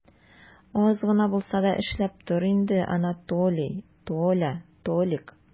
Аз гына булса да эшләп тор инде, Анатолий, Толя, Толик!